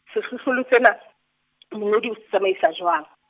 sehlohlolo sena , mongodi o se tsamaisa jwang.